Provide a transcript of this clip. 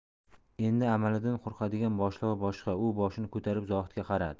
endi amalidan ko'rqadigan boshlig'i boshqa u boshini ko'tarib zohidga qaradi